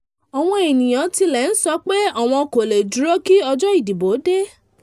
Àwọn ènìyàn tilẹ̀ ti ń sọ pé àwọn kò lè dúró kí ọjọ́ ìdìbò dé.